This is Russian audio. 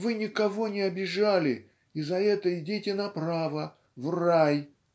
вы никого не обижали и за это идите направо, в рай